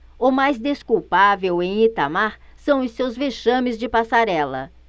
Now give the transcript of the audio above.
o mais desculpável em itamar são os seus vexames de passarela